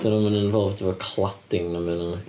Dydyn nhw'm yn involved efo cladding na dim byd nadi?